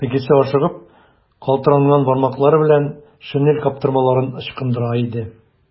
Тегесе ашыгып, калтыранган бармаклары белән шинель каптырмаларын ычкындыра иде.